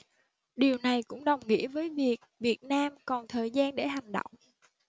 điều này cũng đồng nghĩa với việc việt nam còn thời gian để hành động